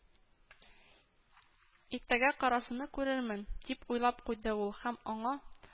“иртәгә карасуны күрермен,—дип уйлап куйды ул һәм аңа